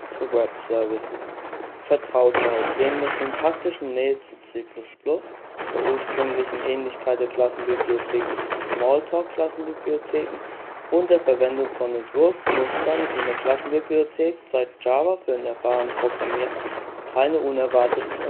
zu Webservices. Vertrautheit Wegen der syntaktischen Nähe zu C++, der ursprünglichen Ähnlichkeit der Klassenbibliothek zu Smalltalk-Klassenbibliotheken und der Verwendung von Entwurfsmustern in der Klassenbibliothek zeigt Java für den erfahrenen Programmierer keine unerwarteten